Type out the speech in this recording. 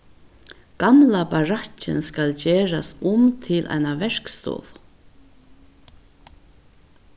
gamla barakkin skal gerast um til eina verkstovu